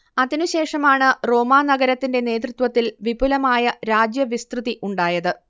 അതിനുശേഷമാണ് റോമാനഗരത്തിന്റെ നേതൃത്വത്തിൽ വിപുലമായ രാജ്യവിസ്തൃതി ഉണ്ടായത്